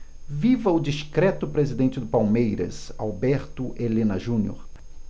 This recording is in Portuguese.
viva o discreto presidente do palmeiras alberto helena junior